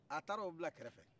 a taar'o bila kɛrɛfɛ